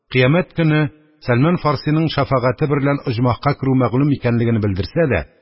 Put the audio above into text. Кыямәт көне сәлман фарсиның шәфәгате берлән оҗмахка керү мәгълүм икәнлегене белдерсә дә,